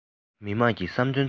མི དམངས ཀྱི བསམ འདུན མཚོན པ